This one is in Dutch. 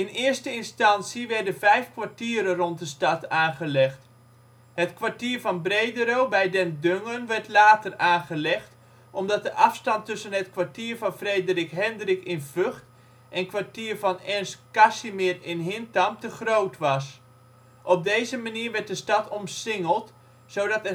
eerste instantie werden vijf kwartieren rond de stad aangelegd. Het Kwartier van Bredero bij Den Dungen werd later aangelegd, omdat de afstand tussen het Kwartier van Frederik Hendrik in Vught en Kwartier van Ernst Casimir in Hintham te groot was. Op deze manier werd de stad omsingeld, zodat